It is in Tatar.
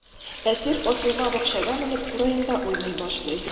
Әсир асылма бакчага менеп, кураенда уйный башлый.